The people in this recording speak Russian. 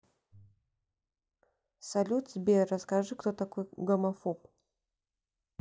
салют сбер расскажи кто такой гомофоб